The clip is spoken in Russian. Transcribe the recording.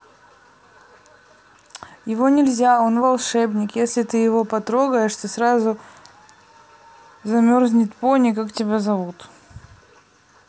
его нельзя он волшебник если ты его потрогаешь ты сразу замерзнет пони как тебя зовут